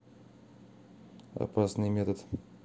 опасный метод